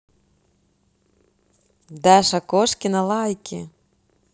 даша кошкина лайки